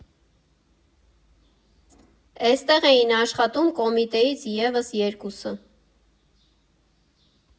Էստեղ էին աշխատում Կոմիտեից ևս երկուսը.